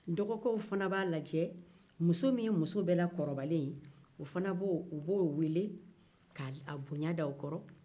dɔgɔkɛw fana b'a lajɛ muso min ye muso bɛɛ la kɔrɔbalen ye u fana b'o u b'o wele k'a bonya da o kɔrɔ